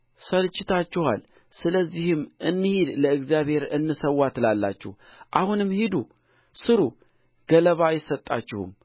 ሰልችታችኋል ስለዚህም እንሂድ ለእግዚአብሔርም እንሠዋ ትላላችሁ አሁንም ሂዱ ሥሩ ገለባ አይሰጡአችሁም